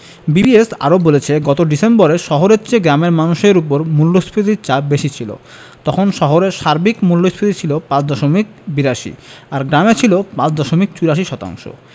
BBS আরও বলছে গত ডিসেম্বরে শহরের চেয়ে গ্রামের মানুষের ওপর মূল্যস্ফীতির চাপ বেশি ছিল তখন শহরে সার্বিক মূল্যস্ফীতি ছিল ৫ দশমিক ৮২ আর গ্রামে ছিল ৫ দশমিক ৮৪ শতাংশ